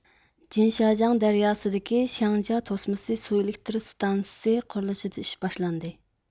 جىنشاجياڭ دەرياسىدىكى شياڭجيا توسمىسى سۇ ئېلېكتر ئىستانسىسى قۇرۇلۇشىدا ئىش باشلاندى